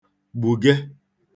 -gbùge